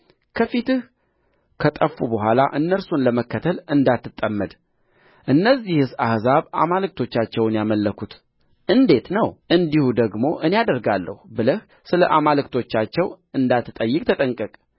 ከፊትህ ከጠፉ በኋላ እነርሱን ለመከተል እንዳትጠመድ እነዚህስ አሕዛብ አማልክቶቻቸውን ያመለኩት እንዴት ነው እንዲሁ ደግሞ እኔ አደርጋለሁ ብለህ ስለ አማልክቶቻቸው እንዳትጠይቅ ተጠንቀቅ